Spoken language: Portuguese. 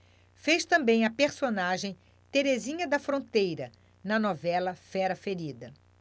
fez também a personagem terezinha da fronteira na novela fera ferida